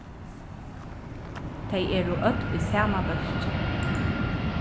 tey eru øll í sama bólki